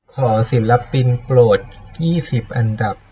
ขอศิลปินโปรดยี่สิบอันดับ